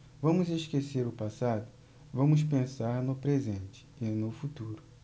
vamos esquecer o passado vamos pensar no presente e no futuro